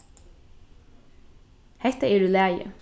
hetta er í lagi